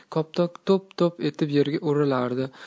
koptok to'p to'p etib yerga uriladi